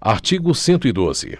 artigo cento e doze